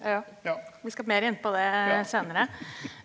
ja, vi skal mere inn på det senere.